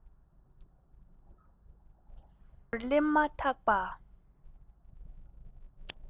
རྩེ མོར སླེབས མ ཐག པ